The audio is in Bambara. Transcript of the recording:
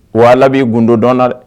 Wala b'i gdo dɔnda dɛ